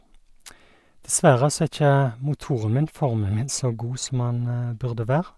Dessverre så er ikke motoren min, formen min, så god som han burde være.